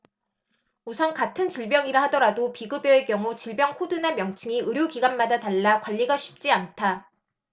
우선 같은 질병이라 하더라도 비급여의 경우 질병 코드나 명칭이 의료기관마다 달라 관리가 쉽지 않다